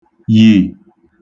yì